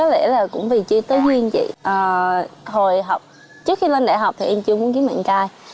có lẽ là cũng vì chưa tới duyên chị à hồi học trước khi lên đại học thì em chưa muốn kiếm bạn trai